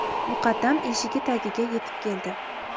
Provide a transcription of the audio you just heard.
muqaddam eshigi tagiga yetib keldi